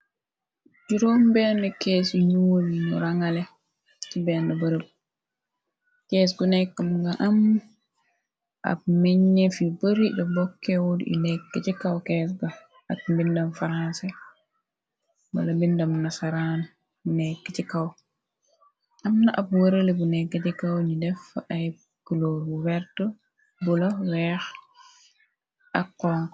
juróom benn kees yu ñu gul lu rangale ci benn bërël kees gu nekkam nga am ab meñef i bari da bokkew i nekk ci kaw kees ga ak mbindam faransais bala mbindam na saraan nekk ci kaw am na ab wërale bu nekk ci kaw ñu defa ay klor bu wert bu la weex ak xong